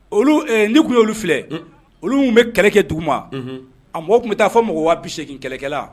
Olu ni tun ye olu filɛ olu bɛ kɛlɛ kɛ dugu ma a mɔgɔ tun bɛ taa fɔ mɔgɔ waa bisegin kɛlɛkɛla